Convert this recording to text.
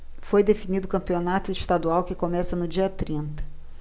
foi definido o campeonato estadual que começa no dia trinta